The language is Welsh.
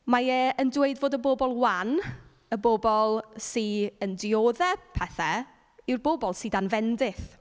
Mae e'n dweud fod y bobl wan, y bobl sy yn dioddef pethe, yw'r bobl sy dan fendith.